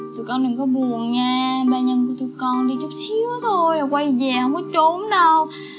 tụi con đừng có buồn nha ba nhân của tụi con đi chút xíu thôi là quay về không có chốn đâu